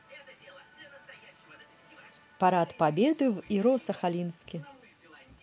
парад победы в iro сахалинске